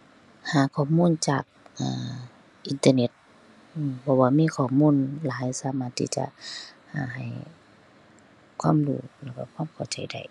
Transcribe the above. หาข้อมูลจาก เอ่อ อินเทอร์เน็ต อือ เพราะว่ามีข้อมูลหลายสามารถที่จะ เอ่อ ให้ความรู้แล้วก็ความเข้าใจได้